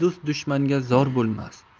do'st dushmanga zor bo'lmas